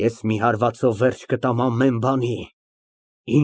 Ես մի հարվածով վերջ կտամ ամեն բանի։